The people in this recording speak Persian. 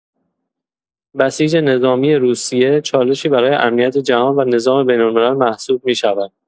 بسیج نظامی روسیه چالشی برای امنیت جهان و نظام بین‌الملل محسوب می‌شود.